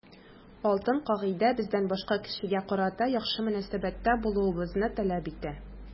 Алтын кагыйдә бездән башка кешегә карата яхшы мөнәсәбәттә булуыбызны таләп итә.